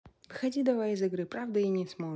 выходи давай из игры правда и не можешь